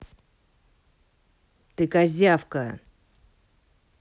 ты козявка